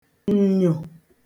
ǹnyò